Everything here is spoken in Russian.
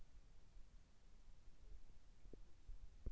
ой чихуй